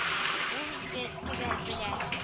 Ул инде төгәл белә: